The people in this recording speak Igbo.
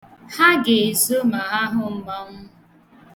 Ha ga-ezo ma ha hụ mmanwụ.